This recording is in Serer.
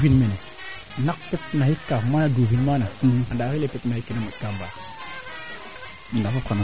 kon i mbaa ndamee manaam ndak ne imba ndame xaƴna peut etre ten moƴu xaand mee ando naye ten refu mbuuƴ ne